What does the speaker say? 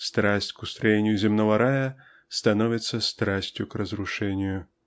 страсть к устроению земного рая становится страстью к разрушению